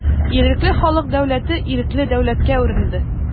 Ирекле халык дәүләте ирекле дәүләткә әверелде.